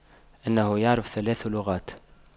انه يعرف ثلاث لغات